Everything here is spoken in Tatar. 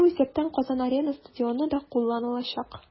Шул исәптән "Казан-Арена" стадионы да кулланылачак.